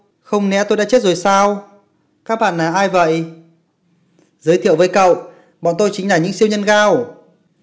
không lẽ tôi đã chết rồi sao các bạn là ai vậy giới thiệu với cậu bọn tôi chính là những siêu nhân gao